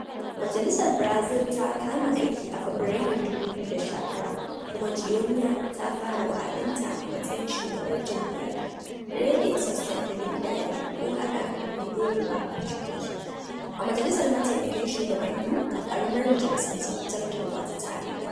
Majalisar Barazil ta kama aiki a Fabarairun 2019 kuma Joenia ta fara wa'adinta a matsayin shugabar jam'iyyarta, Rede Sustentabilidade (ko Haɗaka Mai ɗorewa da Portuguese), a majalisar mataimakan shugabanni, a ƙaramar majalisar zartarwa ta tarayya.